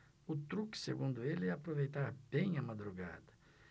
o truque segundo ele é aproveitar bem a madrugada